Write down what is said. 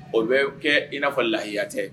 O bɛ b kɛ i n'a fɔ lahiya tɛ